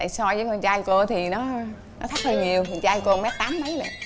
tại so với con trai cô thì nó nó thấp hơn nhiều con trai cô mét tám mấy lận